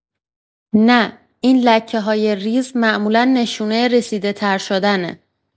نه، این لکه‌های ریز معمولا نشونه رسیده‌تر شدنه.